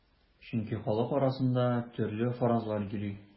Чөнки халык арасында төрле фаразлар йөри.